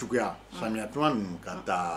Juguya samiya tura ninnu ka taa.